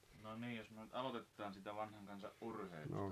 no niin jos me nyt aloitetaan siitä vanhan kansan urheilusta